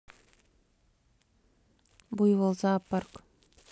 буйвол зоопарк